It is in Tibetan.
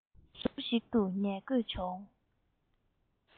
ཟུར ཞིག ཏུ ཉལ དགོས བྱུང